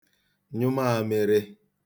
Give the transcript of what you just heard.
nyụ maāmị̄rị̄